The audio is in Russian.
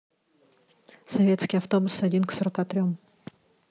советские автобусы один к сорока трем